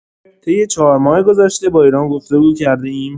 طی چهار ماه گذشته با ایران گفتگو کرده‌ایم.